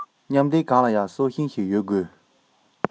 མཉམ སྡེབ གང ལ ཡང སྲོག ཤིང ཞིག ཡོད དགོས